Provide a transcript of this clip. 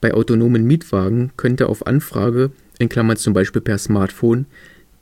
Bei autonomen Mietwagen könnte auf Anfrage (z.B. per Smartphone)